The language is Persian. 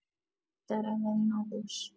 در اولین آغوش